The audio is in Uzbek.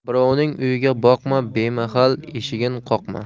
birovning uyiga boqma bemahal eshigin qoqma